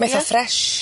Ma' eitha fresh.